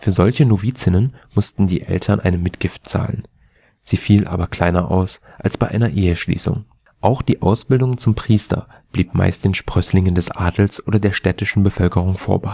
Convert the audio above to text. solche Novizinnen mussten die Eltern eine Mitgift zahlen. Sie fiel aber kleiner aus als bei einer Eheschließung. Auch die Ausbildung zum Priester blieb meist den Sprösslingen des Adels oder der städtischen Bevölkerung vorbehalten